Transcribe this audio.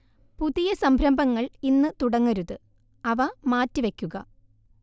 പുതിയ സംരംഭങ്ങൾ ഇന്ന് തുടങ്ങരുത് അവ മാറ്റിവയ്ക്കുക